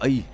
ayi